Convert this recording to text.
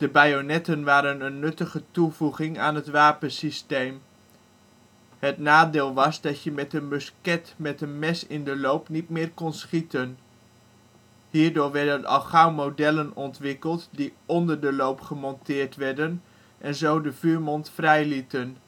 bajonetten waren een nuttige toevoeging aan het wapensysteem. Het nadeel was dat je met een musket met een mes in de loop niet meer kon schieten. Hierdoor werden al gauw modellen ontwikkeld die onder (naast) de loop gemonteerd werden en zo de vuurmond vrij lieten